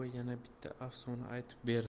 ermon buva yana bitta afsona aytib berdi